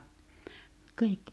-